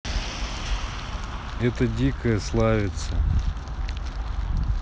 это дикая славица